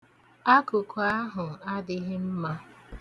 Akụkụ ahụ adịghị mma.